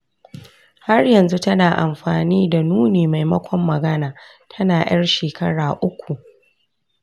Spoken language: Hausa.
har yanzu tana amfani da nuni maimakon magana tana yar shekara uku.